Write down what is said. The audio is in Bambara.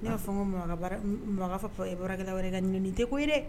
N y'a fɔ ko makan fɔ fɔ e bɔrakɛla wɛrɛ ka ɲinin nin tɛ ko ye dɛ